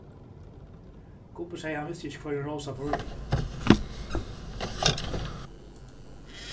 gubbi segði at hann visti ikki hvørjum rósa fór við